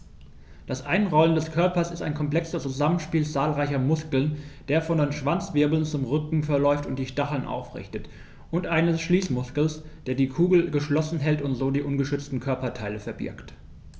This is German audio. Das Einrollen des Körpers ist ein komplexes Zusammenspiel zahlreicher Muskeln, der von den Schwanzwirbeln zum Rücken verläuft und die Stacheln aufrichtet, und eines Schließmuskels, der die Kugel geschlossen hält und so die ungeschützten Körperteile verbirgt.